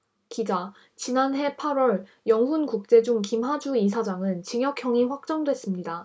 기자 지난해 팔 월 영훈국제중 김하주 이사장은 징역형이 확정됐습니다